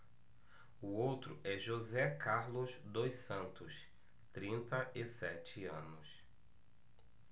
o outro é josé carlos dos santos trinta e sete anos